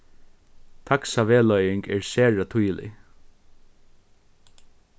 taks'sa vegleiðing er sera týðilig